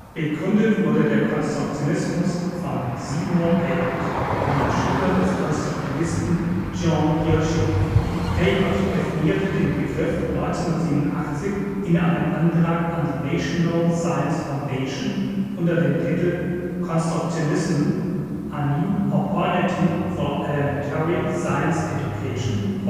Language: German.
Begründet wurde der Konstruktionismus von Seymour Papert, einem Schüler des Konstruktivisten Jean Piaget. Papert definierte den Begriff 1987 in einem Antrag an die National Science Foundation unter dem Titel Constructionism: A New Opportunity for Elementary Science Education